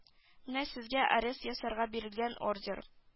Менә сезгә арест ясарга бирелгән ордер